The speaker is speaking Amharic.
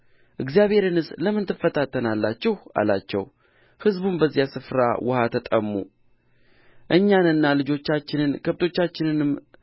እግዚአብሔርንስ ለምን ትፈታተናላችሁ አላቸው ሕዝቡም በዚያ ስፍራ ውኃ ተጠሙ እኛንና ልጆቻችንን ከብቶቻችንንም